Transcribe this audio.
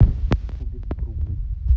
кубик круглый